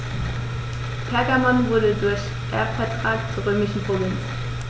Pergamon wurde durch Erbvertrag zur römischen Provinz.